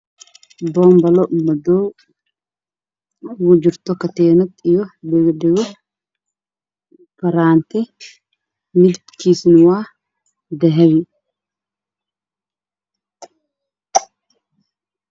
Boombalo midabkiisii yahay madow katiin dahabi